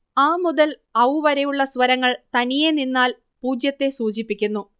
അ മുതൽ ഔ വരെയുള്ള സ്വരങ്ങൾ തനിയേ നിന്നാൽ പൂജ്യത്തെ സൂചിപ്പിക്കുന്നു